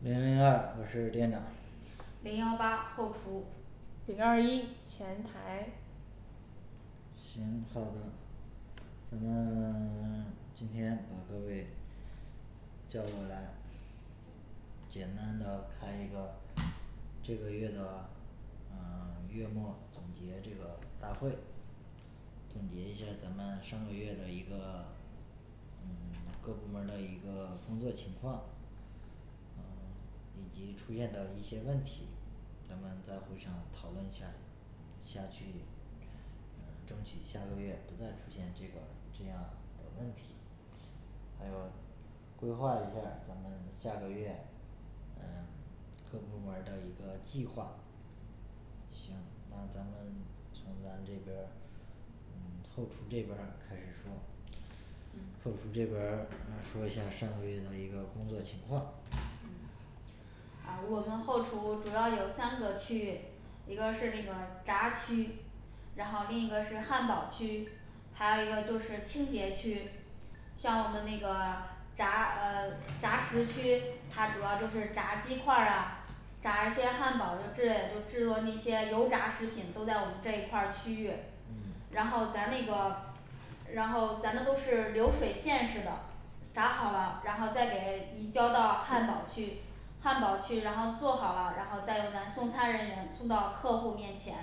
零零二我是店长零幺八后厨零二一前台行好的咱们 今天把各位叫过来简单的开一个这个月的嗯 月末总结这个大会总结一下咱们上个月的一个嗯 各部门儿的一个工作情况嗯以及出现的一些问题咱们在会上讨论一下，下去嗯争取下个月不再出现这个这样的问题还有规划一下儿咱们下个月嗯 各部门儿的一个计划行，那咱们从咱这边儿嗯后厨这边儿开始说，后厨这边儿呃说一下上个月的一个工作情况我们后厨主要有三个区域，一个是这个炸区，然后另一个是汉堡区，还有一个就是清洁区像我们那个炸炸食区，它主要就是炸鸡块儿啊，炸一些汉堡之类，就制作那些油炸食品都在我们这一块儿区域嗯然后咱那个然后咱们都是流水线式的炸好了，然后再给你交到汉堡去汉堡去，然后做好了，然后再由咱送餐人员送到客户面前